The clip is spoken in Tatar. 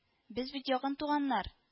- без бит якын туганнар